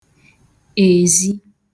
èzi